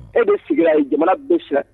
E de sigira ye jamana bɛsira